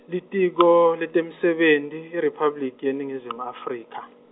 Litiko, leTemisebenti, IRiphabliki yeNingizimu Afrika.